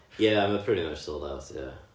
ia ma' o'n pretty much sold-out ia